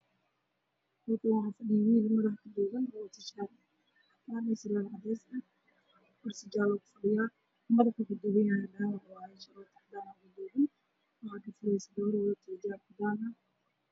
Halkaan waxaa fadhiyo wiil madaxa kahagoogan oo wato shaati cadaan ah iyo surwaal cadeys ah, kursi jaale ah ayuu kufadhiyaa madaxa uu kaduuban yahay sharooto cadaan ah oga duuban waxaa kafurayso gabar wadato xijaab cadaan ah.